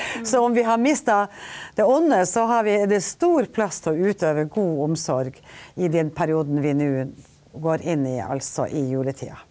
så om vi har mista det onde, så har vi er det stor plass til å utøve god omsorg i den perioden vi nå går inn i, altså i juletida.